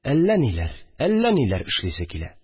Әллә ниләр, әллә ниләр эшлисе килә